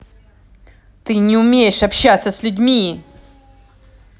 ты не умеешь общаться с людьми